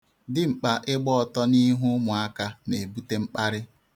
Dimkpa ịgba ọtọ n'ihu ụmụaka na-ebute mkparị.